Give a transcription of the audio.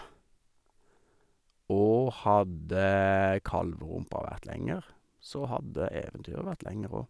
Og hadde kalverumpa vært lenger, så hadde eventyret vært lenger òg.